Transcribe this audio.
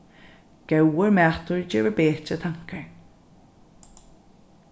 góður matur gevur betri tankar